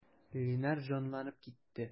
Линар җанланып китте.